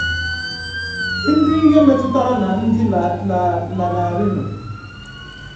Ndị ihe metụtara na ndị lanarịrịnụ.